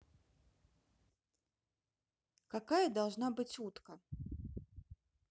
какая должна быть утка